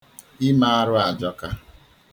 Ime arụ ajọka.